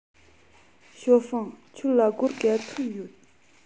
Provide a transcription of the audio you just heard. ཞའོ ཧྥང ཁྱོད ལ སྒོར ག ཚོད ཡོད